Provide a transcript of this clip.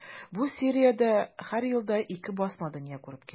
Бу сериядә һәр елда ике басма дөнья күреп килә.